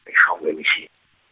eShongwe mishi-.